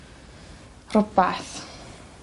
rhwbath.